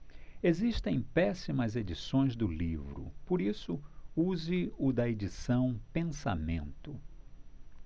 existem péssimas edições do livro por isso use o da edição pensamento